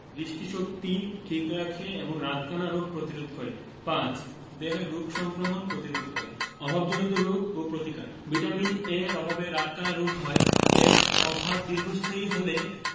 দৃষ্টিশক্তি ঠিক রাখে এবং রাতকানা রোগ প্রতিরোধ করে ৫. দেহে রোগ সংক্রমণ প্রতিরোধ করে অভাবজনিত রোগ ও প্রতিকার ভিটামিন A এর অভাবে রাতকানা রোগ হয় এর অভাব দীর্ঘস্থায়ী হলে